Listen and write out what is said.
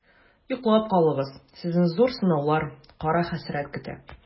Йоклап калыгыз, сезне зур сынаулар, кара хәсрәт көтә.